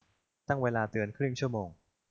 ตั้งเวลาเตือนครึ่งชั่วโมง